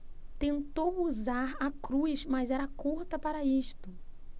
tentou usar a cruz mas era curta para isto